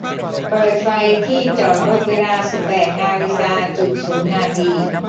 เปิดไฟที่จอดรถเวลาสิบแปดนาฬิกาจุดศูนย์นาที